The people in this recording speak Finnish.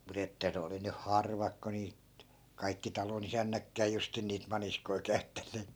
mutta että ne oli nyt harvat kun niitä kaikki talonisännätkään justiin niitä maniskoita käyttäneet